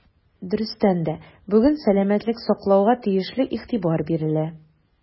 Дөрестән дә, бүген сәламәтлек саклауга тиешле игътибар бирелә.